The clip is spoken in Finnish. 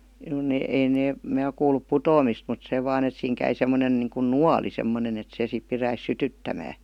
no ne ei ne minä ole kuullut putoamista mutta se vain että siinä kävi semmoinen niin kuin nuoli semmoinen että se sitten pitäisi sytyttämän